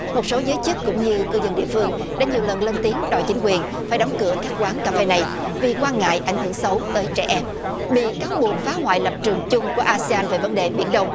một số giới chức cũng như cư dân địa phương đã nhiều lần lên tiếng đòi chính quyền phải đóng cửa các quán cà phê này vì quan ngại ảnh hưởng xấu tới trẻ em bị cáo buộc phá hoại lập trường chung của a xi an về vấn đề biển đông